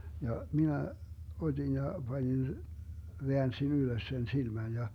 ja minä otin ja panin väänsin ylös sen silmän ja